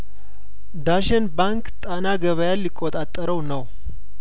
ዳሽን ባንክ ጣና ገበያን ሊቆጣጠረው ነው